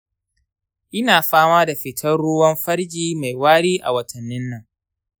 ina fama da fitar ruwan farji mai wari a watannin nan.